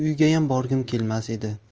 uygayam borgim kelmas edi